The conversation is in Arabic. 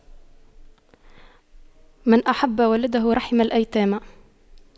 من أحب ولده رحم الأيتام